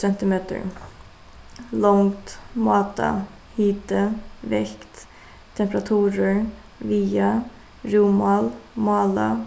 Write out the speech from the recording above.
sentimetur longd máta hiti vekt temperaturur viga rúmmál mála